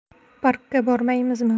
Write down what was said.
parkka bormaymizmi